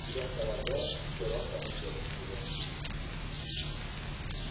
degan savolga javob topib berish qiyin